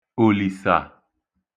Òlìsà